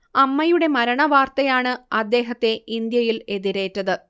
അമ്മയുടെ മരണവാർത്തയാണ് അദ്ദേഹത്തെ ഇന്ത്യയിൽ എതിരേറ്റത്